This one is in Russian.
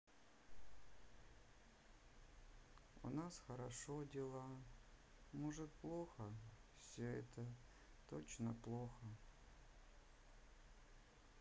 у нас хорошо дела может плохо все это точно плохо